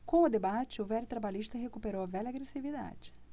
com o debate o velho trabalhista recuperou a velha agressividade